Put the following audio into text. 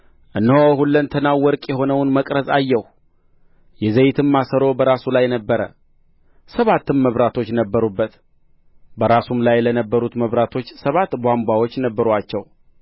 እነሆ ሁለንተናው ወርቅ የሆነውን መቅረዝ አየሁ የዘይትም ማሰሮ በራሱ ላይ ነበረ ሰባትም መብራቶች ነበሩበት በራሱም ላይ ለነበሩት መብራቶች ሰባት ቧንቧዎች ነበሩአቸው